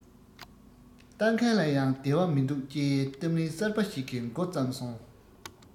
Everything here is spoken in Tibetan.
ལྟ མཁན ལ ཡང བདེ བ མི འདུག ཅེས གཏམ གླེང གསར པ ཞིག གི མགོ བརྩམས སོང